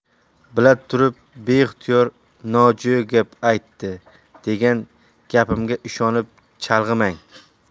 bila turib beixtiyor nojo'ya gap aytdi degan gapimga ishonib chalg'imang